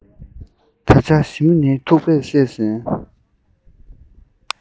ད ཆ ཞི མི ནི ཐུག པས བསད ཟིན